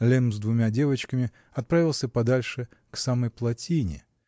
Лемм с двумя девочками отправился подальше, к самой плотине